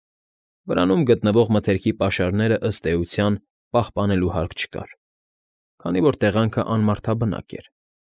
Վրանում գտնվող մթերքի պաշարներն, ըստ էության, պահպանելու հարկ չկար, քանի որ տեղանքն անմարդաբնակ էր։